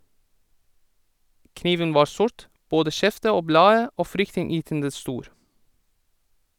Kniven var sort, både skjeftet og bladet, og fryktinngytende stor.